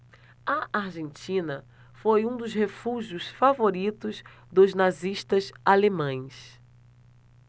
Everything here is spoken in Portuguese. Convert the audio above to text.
a argentina foi um dos refúgios favoritos dos nazistas alemães